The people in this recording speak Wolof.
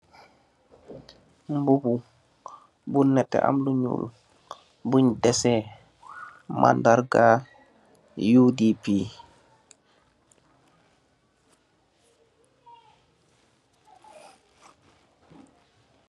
Bubuh bu neteh emm lu null , bonn deseh mandargah UDP .